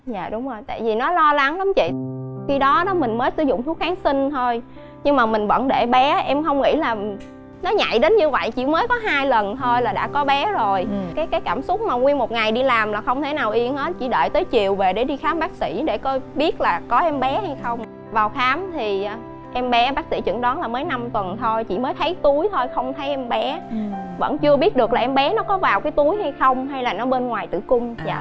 dạ đúng rồi tại vì nó lo lắng lắm chị khi đó đó mình mới sử dụng thuốc kháng sinh thôi nhưng mà mình vẫn để bé em không nghĩ là nó nhạy đến như vậy chỉ mới có hai lần thôi là đã có bé rồi cái cái cảm xúc mà nguyên một ngày đi làm là không thể nào yên hết chỉ đợi tới chiều về để đi khám bác sĩ để coi biết là có em bé hay không vào khám thì em bé bác sĩ chẩn đoán là mới năm tuần thôi chỉ mới thấy túi thôi không thấy em bé vẫn chưa biết được là em bé nó có vào cái túi hay không hay là nó bên ngoài tử cung dạ